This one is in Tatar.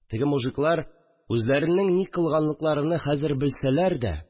Теге мужиклар, үзләренең ни кылганлыкларыны хәзер белсәләр дә